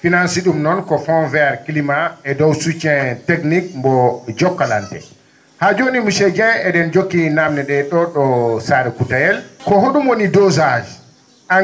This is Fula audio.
finance si ?um noon ko fond vert climat e dow soutien technique mbo Jokalante haa jooni monsieur Dieng e?en jokki naamde ?e ?o ?o Sare Koutayel ko ho?um woni dosage